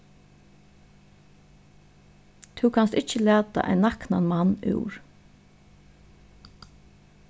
tú kanst ikki lata ein naknan mann úr